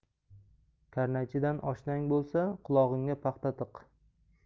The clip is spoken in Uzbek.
karnaychidan oshnang bo'lsa qulog'ingga paxta tiq